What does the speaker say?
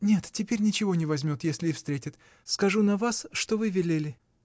— Нет, теперь ничего не возьмет, если и встретит: скажу на вас, что вы велели.